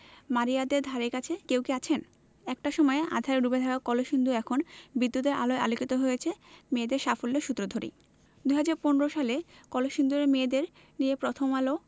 মারিয়াদের ধারেকাছে কেউ কি আছেন একটা সময়ে আঁধারে ডুবে থাকা কলসিন্দুর এখন বিদ্যুতের আলোয় আলোকিত হয়েছে মেয়েদের সাফল্যের সূত্র ধরেই ২০১৫ সালে কলসিন্দুরের মেয়েদের নিয়ে প্রথম আলো